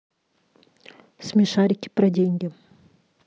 смешарики про деньги